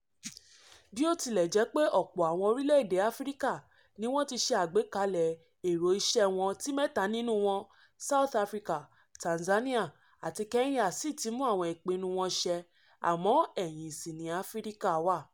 Bí ó tilẹ̀ jẹ́ pé ọ̀pọ̀ àwọn orílẹ̀ èdè Áfíríkà ni wọ́n ti ṣe àgbékalè èrò ìṣẹ́ wọn tí mẹ́ta nínú wọn_South Africa, Tanzania àti Kenya sì ti mú àwọn ìpinnu wọn ṣe àmọ́ ẹ̀yìn ṣi ni Áfíríkà wà.